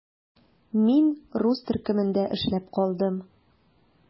Мин рус төркемендә эшләп калдым.